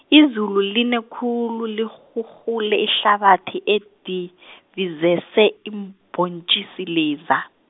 izulu line khulu, lirhurhule ihlabathi edibizese, iimbontjisi leza.